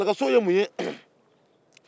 kɛlɛkɛsow ye mun ye